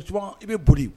Souvent I be boli.